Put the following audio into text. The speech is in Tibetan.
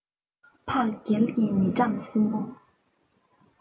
འཕགས རྒྱལ གྱི ནི བྲམ ཟེའི བུ